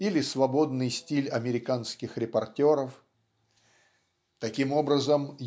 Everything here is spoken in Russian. или свободный стиль американских репортеров. Таким образом